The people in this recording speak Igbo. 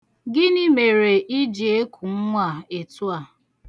Gịnị mere ị ji eku nwa a etu a?